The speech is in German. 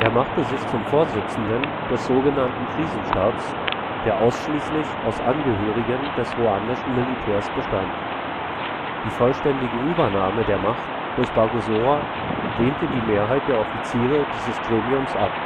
machte sich zum Vorsitzenden des so genannten Krisenstabs, der ausschließlich aus Angehörigen des ruandischen Militärs bestand. Die vollständige Übernahme der Macht durch Bagosora lehnte die Mehrheit der Offiziere dieses Gremiums ab